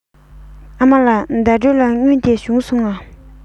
ཨ མ ལགས ཟླ སྒྲོན ལ དངུལ དེ བྱུང སོང ངས